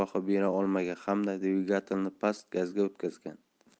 baho bera olmagan hamda dvigatelni past gazga o'tkazgan